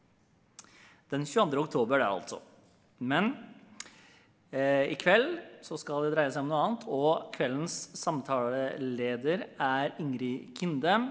22. oktober der altså, men i kveld så skal det dreie seg om noe annet og kveldens samtaleleder er Ingrid Kindem.